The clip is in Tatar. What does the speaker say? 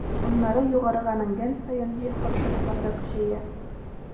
Аннары, югарыга менгән саен, җил-каршылыклар да көчәя.